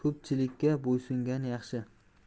ko'pchilikka bo'ysungan yaxshi